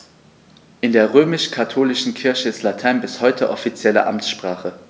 In der römisch-katholischen Kirche ist Latein bis heute offizielle Amtssprache.